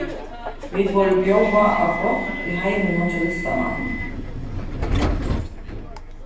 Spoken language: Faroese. vit vóru bjóðað á gátt í heiminum hjá listamanninum